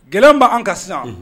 Gɛlɛn b' an ka sisan